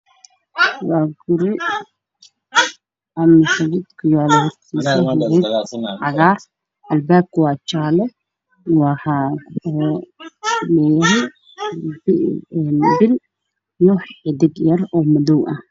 Waa guri albaabkiisa albaabka waa jaalo geed lala cagaar ayaa ka aga baxaayo albaabka waxaa ku sawiran bil